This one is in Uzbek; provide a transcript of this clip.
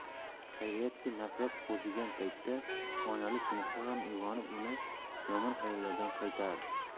xayriyatki nafrat qo'zigan paytda onalik mehri ham uyg'onib uni yomon xayollardan qaytaradi